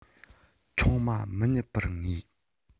ཆུང མ མི རྙེད པར ངེས